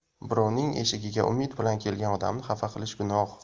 birovning eshigiga umid bilan kelgan odamni xafa qilish gunoh